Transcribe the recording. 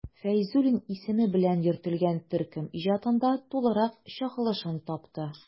Фәйзуллин исеме белән йөртелгән төркем иҗатында тулырак чагылышын тапты.